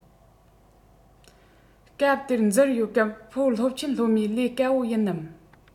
སྐབས དེར འཛུལ ཡོང སྐབས ཕོ སློབ ཆེན སློབ མའི ལས དཀའ བ ཡིན ནམ